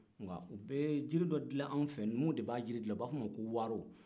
u bɛ jiri dɔ dilan anw fɛ yen numuw de b'a dilan u b'a wele ko waaro